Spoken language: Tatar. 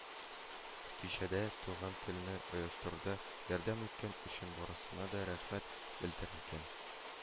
Кичәдә «Туган тел»не оештыруда ярдәм иткән өчен барысына да рәхмәт белдерелгән